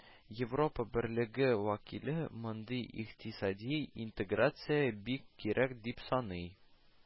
Европа берлеге вәкиле мондый икътисади интеграция бик кирәк дип саный